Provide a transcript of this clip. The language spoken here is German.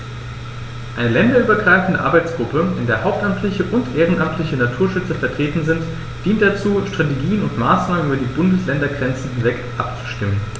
Eine länderübergreifende Arbeitsgruppe, in der hauptamtliche und ehrenamtliche Naturschützer vertreten sind, dient dazu, Strategien und Maßnahmen über die Bundesländergrenzen hinweg abzustimmen.